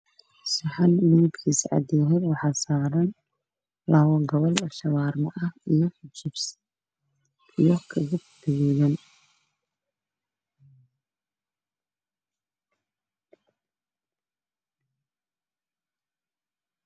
Saxan midabkiisa cadyahay waxaa saaran shuwaarmo iyo kajab guduud ah